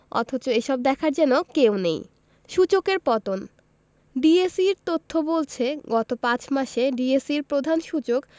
অথচ এসব দেখার যেন কেউ নেই সূচকের পতন ডিএসইর তথ্য বলছে গত ৫ মাসে ডিএসইর প্রধান সূচক